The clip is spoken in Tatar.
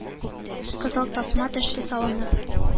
Кызыл тасма төште салынып.